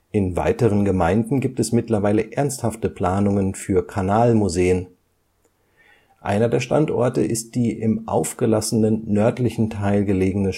In weiteren Gemeinden gibt es mittlerweile ernsthafte Planungen für Kanalmuseen. Einer der Standorte ist die im aufgelassenen nördlichen Teil gelegene